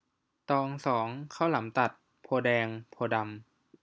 ตองสองข้าวหลามตัดโพธิ์แดงโพธิ์ดำ